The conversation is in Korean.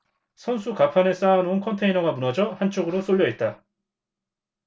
선수 갑판에 쌓아놓은 컨테이너가 무너져 한쪽으로 쏠려 있다